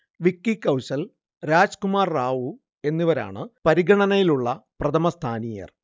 വിക്കി കൗശൽ, രാജ്കുമാർ റാവു എന്നിവരാണ് പരിഗണനയിലുള്ള പ്രഥമസ്ഥാനീയർ